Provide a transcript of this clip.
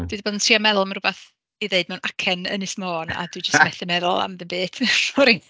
Dw i 'di bod yn trio meddwl am rywbeth i ddeud mewn acen Ynys Môn, a dwi jyst methu meddwl am ddim byd sori !